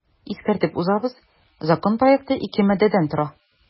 Искәртеп узабыз, закон проекты ике маддәдән тора.